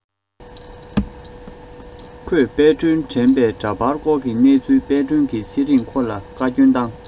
ཁོས དཔལ སྒྲོན དྲན པའི འདྲ པར བསྐོར གྱི གནས ཚུལ དཔལ སྒྲོན གྱི ཚེ རིང ཁོ ལ བཀའ བསྐྱོན བཏང